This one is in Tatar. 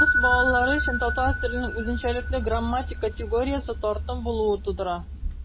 Рус балалары өчен татар теленең үзенчәлекле грамматик категориясе - тартым булуы тудыра.